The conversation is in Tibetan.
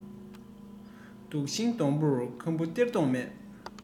གང ལྟར བཟང ལ བཟང དང ངན ལ ངན